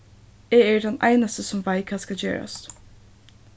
eg eri tann einasti sum veit hvat skal gerast